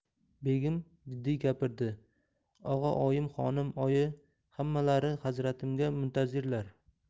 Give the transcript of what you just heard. begim jiddiy gapirdi og'a oyim xonim oyi hammalari hazratimga muntazirlar